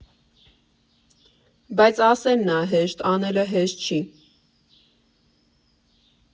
Բայց ասելն ա հեշտ, անելը հեշտ չի։